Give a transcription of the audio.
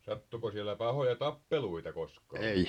sattuiko siellä pahoja tappeluita koskaan